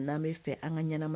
N'an bɛ fɛ an ka ɲɛnama